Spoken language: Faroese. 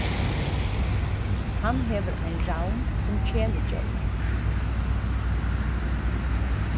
hann hevur ein ravn sum kelidjór